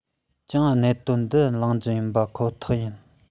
ཀྱང གནད དོན འདི གླེང རྒྱུ ཡིན པ ཁོ ཐག ཡིན